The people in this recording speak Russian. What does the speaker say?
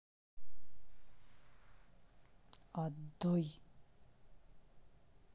отдай